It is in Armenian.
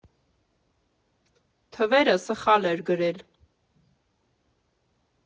Թվերը սխալ էր գրել։